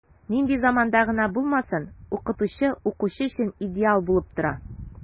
Нинди заманда гына булмасын, укытучы укучы өчен идеал булып тора.